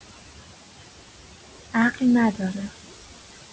عقل نداره